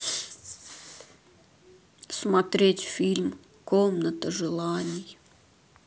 смотреть фильм комната желаний